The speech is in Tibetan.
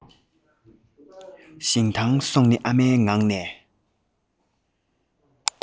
ཞིང ཐང སོགས ནི ཨ མའི ངག ནས